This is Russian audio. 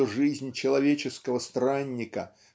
что жизнь человеческого странника